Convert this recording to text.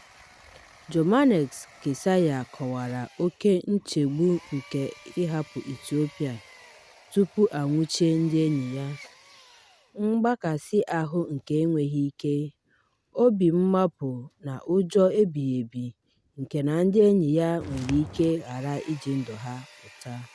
Jomanex Kasaye kọwara oke nchegbu nke ịhapụ Ethiopia tupu a nwụchie ndị enyi ya — mgbakasị ahụ nke enweghị ike — obi mmapụ na ụjọ ebighị ebi nke na ndị enyi ya nwere ike ghara iji ndụ ha pụta.